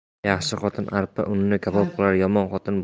yaxshi xotin arpa unni kabob qilar